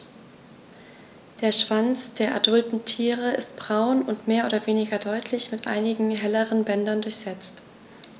Der Schwanz der adulten Tiere ist braun und mehr oder weniger deutlich mit einigen helleren Bändern durchsetzt.